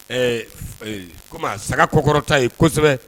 Ɛɛ comment saga kɔkɔrɔta ye kosɛbɛ.